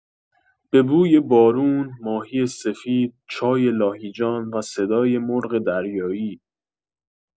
به بوی بارون، ماهی سفید، چای لاهیجان و صدای مرغ دریایی.